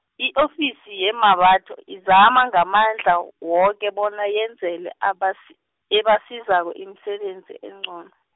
i-ofisi yeMmabatho izama ngamandla w- woke bona yenzele abasi- ebasizako imisebenzi engcono.